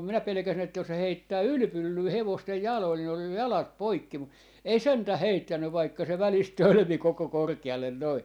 minä pelkäsin että jos se heittää ylipyllyä hevosten jaloille niin on jo jalat poikki mutta ei sentään heittänyt vaikka se välistä tölmi koko korkealle noin